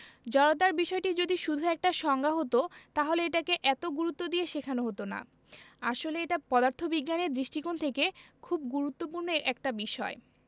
জড়তার বিষয়টি যদি শুধু একটা সংজ্ঞা হতো তাহলে এটাকে এত গুরুত্ব দিয়ে শেখানো হতো না আসলে এটা পদার্থবিজ্ঞানের দৃষ্টিকোণ থেকে খুব গুরুত্বপূর্ণ একটা বিষয়